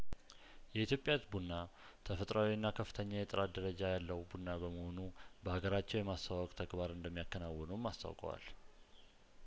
የኢትዮጵያ ቡና ተፈጥሯዊና ከፍተኛ የጥራት ደረጃ ያለው ቡና በመሆኑ በሀገራቸው የማስተዋወቅ ተግባር እንደሚያከናውኑም አስታውቀዋል